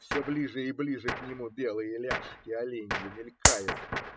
все ближе и ближе к нему белые ляжки оленьи мелькают.